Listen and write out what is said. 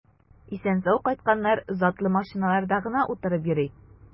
Исән-сау кайтканнар затлы машиналарда гына утырып йөри.